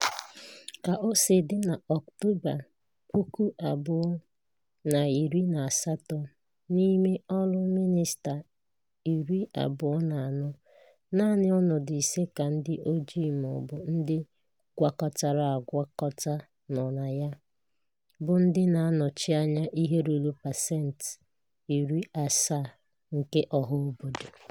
Ka o si dị n'Okutoba 2018, n'ime ọrụ minista 24, naanị ọnọdụ ise ka ndị ojii ma ọ bụ ndị gwakọtara agwakọta nọ na ya, bụ ndị na-anọchii anya ihe ruru pasentị 70 nke ọha obodo.